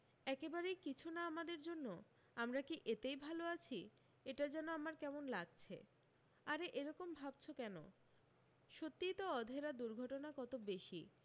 একেবারেই কিছু না আমাদের জন্য আমরা কী এতেই ভাল আছি এটা যেন আমার কেমন লাগছে আরে এরকম ভাবছ কেন সত্যিই তো অধেরা দুর্ঘটনা কত বেশী